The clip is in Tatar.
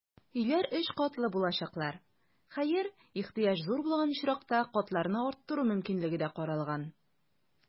Өйләр өч катлы булачаклар, хәер, ихтыяҗ зур булган очракта, катларны арттыру мөмкинлеге дә каралган.